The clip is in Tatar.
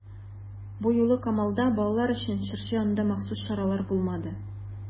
Бу юлы Камалда балалар өчен чыршы янында махсус чаралар булмады.